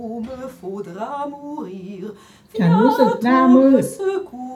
ฉันรู้สึกหน้ามืด